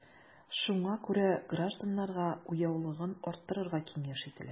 Шуңа күрә гражданнарга уяулыгын арттырыга киңәш ителә.